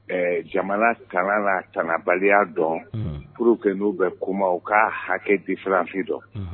Ɛɛ jamana kana na kanabaliya dɔn purk n'u bɛ kuma u k kaa hakɛ difiranfin dɔn